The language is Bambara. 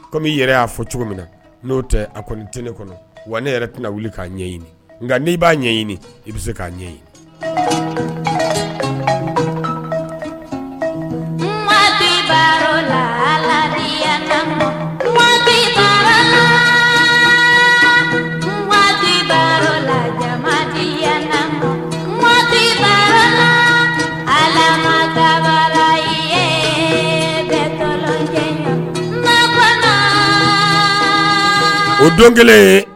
Kɔmi yɛrɛ y'a fɔ cogo min na n'o tɛ a kɔni t ne kɔnɔ wa ne yɛrɛ tɛna wuli k'a ɲɛɲini nka n'i b'a ɲɛɲini i bɛ se k'a ɲɛɲini a o don kelen